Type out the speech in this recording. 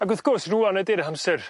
ag wrth gwrs rŵan ydi'r amser